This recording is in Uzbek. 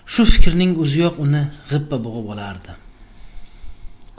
shu fikrning uziyok uni g'ippa bug'ib olardi